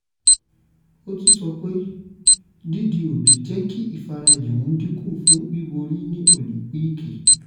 Ó tún sọ pé dídi òbí jẹ́ kí ìfarajìn òun dínkù fún bíborí ní Òlíńpìkì.